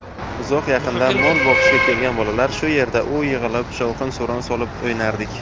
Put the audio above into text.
uzoq yaqindan mol boqishga kelgan bolalar shu yerda yig'ilib shovqin suron solib o'ynardik